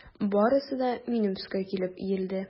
Барысы да минем өскә килеп иелде.